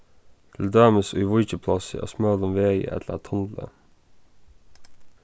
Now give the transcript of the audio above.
til dømis í víkiplássi á smølum vegi ella tunli